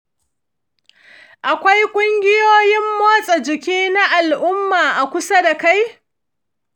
akwai ƙungiyoyin motsa jiki na al’umma a kusa da kai?